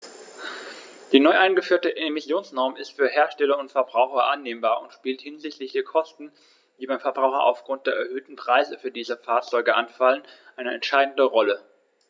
Die neu eingeführte Emissionsnorm ist für Hersteller und Verbraucher annehmbar und spielt hinsichtlich der Kosten, die beim Verbraucher aufgrund der erhöhten Preise für diese Fahrzeuge anfallen, eine entscheidende Rolle.